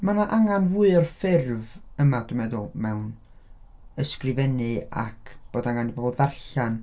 Mae 'na angen fwy o'r ffurf yma dwi'n meddwl mewn ysgrifennu ac bod angen i bobl darllen...